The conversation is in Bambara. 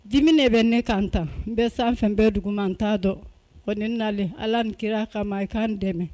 Dimi de bɛ ne kan tan n bɛ san fɛn n bɛ duguman n t'a dɔn kɔni nalen allah ni kira kama a ka n dɛmɛ!